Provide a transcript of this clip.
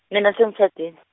mina se ngitjhadile.